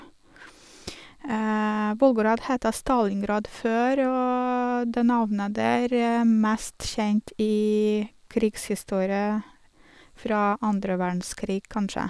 Volgograd het Stalingrad før, og det navnet der er mest kjent i krigshistorie fra andre verdenskrig, kanskje.